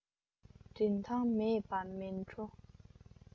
རིན ཐང མེད པ མིན འགྲོ